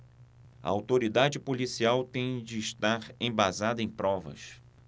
a autoridade policial tem de estar embasada em provas